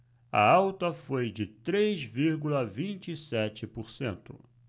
a alta foi de três vírgula vinte e sete por cento